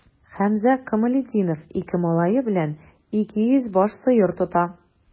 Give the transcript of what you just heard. Хәмзә Камалетдинов ике малае белән 200 баш сыер тота.